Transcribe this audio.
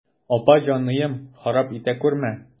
Апа җаныем, харап итә күрмә.